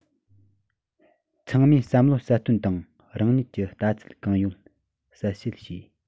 ཚང མས བསམ བློ གསལ སྟོན དང རང ཉིད ཀྱི ལྟ ཚུལ གང ཡོད གསལ བཤད བྱས